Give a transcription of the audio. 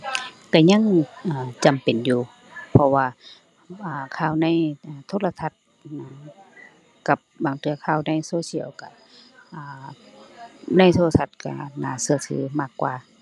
ก็ยัง อ่า จำเป็นอยู่ เพราะว่า อ่า ข่าวในโทรทัศน์กับบางเทื่อข่าวในโซเชียลก็ อ่า ในโทรทัศน์ก็น่าก็ถือมากกว่า